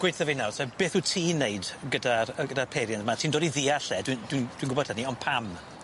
Gweutho fi nawr te beth wt ti'n neud gyda'r yy gyda'r peiriant 'my ti'n dod i ddeall e dwi'n dwi'n dwi'n gwbod hynny on' pam?